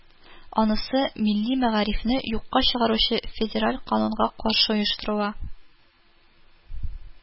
Анысы милли мәгарифне юкка чыгаручы федераль канунга каршы оештырыла